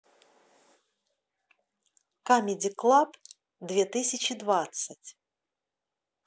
камеди клаб две тысячи двадцать